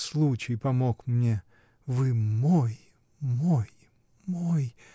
Случай помог мне — вы мой, мой, мой!